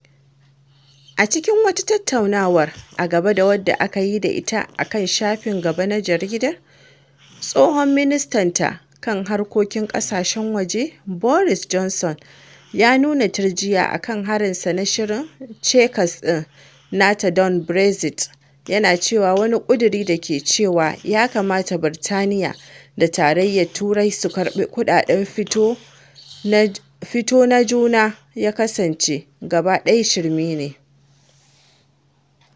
A cikin wata tattaunawar a gaba da wadda aka yi da ita a kan shafin gaba na jaridar, tsohon ministanta kan harkokin ƙasashen waje Boris Johnson ya nuna turjiya a kan harinsa na shirin Chequers ɗin nata don Brexit, yana cewa wani ƙudurin da ke cewa ya kamata Birtaniyya da Tarayyar Turai su karɓi kuɗaɗen fito na juna ya kasance “gaba ɗaya shirme ne.”